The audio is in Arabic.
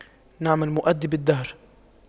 نعم المؤَدِّبُ الدهر